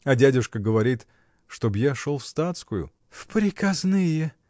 — А дядюшка говорит, чтоб я шел в статскую. — В приказные!